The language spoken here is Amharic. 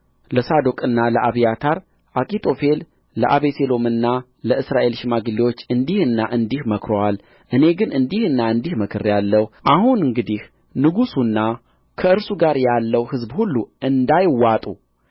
ለሳዶቅና ለአብያታር አኪጦፌል ለአቤሴሎምና ለእስራኤል ሽማግሌዎች እንዲህና እንዲህ መክሮአል እኔ ግን እንዲህና እንዲህ መክሬአለሁ አሁን እንግዲህ ንጉሡና ከእርሱ ጋር ያለው ሕዝብ ሁሉ እንዳይዋጡ